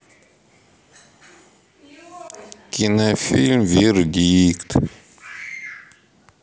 кинофильм вердикт